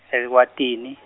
eLukwatini.